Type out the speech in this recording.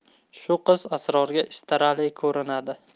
shu qiz asrorga istarali ko'rinadi